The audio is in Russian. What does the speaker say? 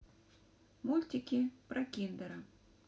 мультики про киндера